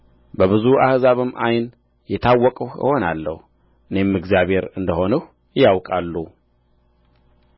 በብዙ አሕዛብም ዓይን የታወቅሁ እሆናለሁ እኔም እግዚአብሔር እንደ ሆንሁ ያውቃሉ